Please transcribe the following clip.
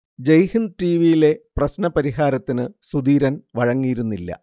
ജയ്ഹിന്ദ് ടിവിയിലെ പ്രശ്ന പരിഹാരത്തിന് സുധീരൻ വഴങ്ങിയിരുന്നില്ല